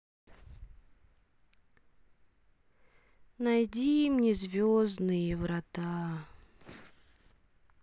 найди мне звездные врата